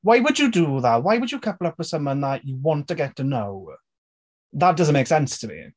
Why would you do that? Why would you couple up with someone that you want to get to know? That doesn't make sense to me.